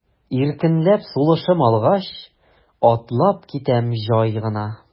Иркенләп сулышым алгач, атлап китәм җай гына.